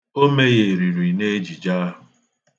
O megheriri n'ejije ahụ.